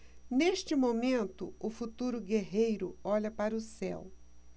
neste momento o futuro guerreiro olha para o céu